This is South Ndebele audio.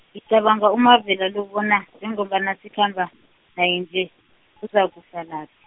ngicabanga uMavela lo bona, njengobana sikhamba, naye nje uzokuhlalaphi.